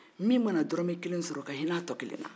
min mana dɔrɔmɛ kelen sɔrɔ o ka hinɛ a tɔ kelen na